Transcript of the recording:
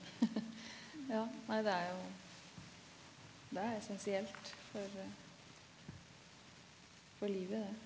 ja nei det er jo det er essensielt for for livet det.